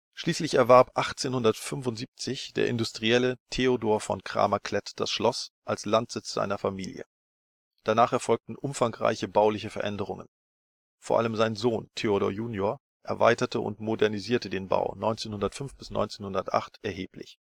Schließlich erwarb 1875 der Industrielle Theodor von Cramer-Klett das Schloss als Landsitz seiner Familie. Danach erfolgten umfangreiche bauliche Veränderungen. Vor allem sein Sohn Theodor jun. erweiterte und modernisierte den Bau 1905 bis 1908 erheblich